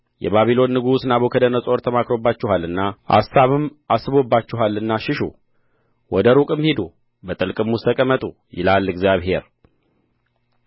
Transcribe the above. የባቢሎን ንጉሥ ናቡከደነፆር ተማክሮባችኋልና አሳብም አስቦባችኋልና ሽሹ ወደ ሩቅም ሂዱ በጥልቅም ውስጥ ተቀመጡ ይላል እግዚአብሔር